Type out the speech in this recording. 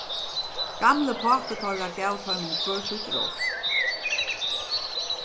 gamli pápi teirra gav teimum hvør sítt ross